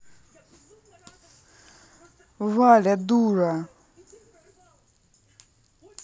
валя дура